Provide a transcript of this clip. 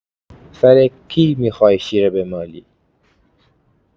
سر کی می‌خوای شیره بمالی؟